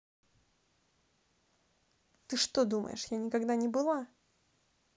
ты что думаешь я никогда не была